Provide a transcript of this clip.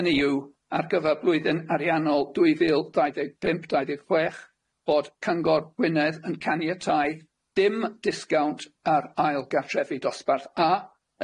Hynny yw, ar gyfer blwyddyn ariannol dwy fil dau ddeg pump dau ddeg chwech bod Cyngor Gwynedd yn caniatáu dim disgownt ar ail-gartrefi dosbarth A,